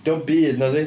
Dio'm byd, na 'di?